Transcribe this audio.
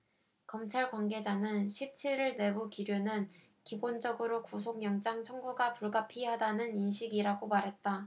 검찰 관계자는 십 칠 일 내부 기류는 기본적으로 구속영장 청구가 불가피하다는 인식이라고 말했다